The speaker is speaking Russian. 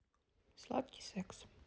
сладкий секс